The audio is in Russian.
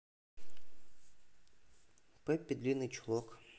пеппи длинный чулок